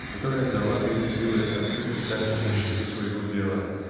которая дала бы им силы открыто стать на защиту своего дела